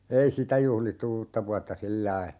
ei sitä juhlittu uutta vuotta sillä lailla